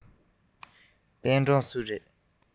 པེན ཀྲང སུ རེད